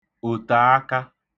òtàaka